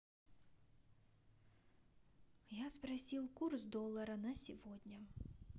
я спросил курс доллара на сегодня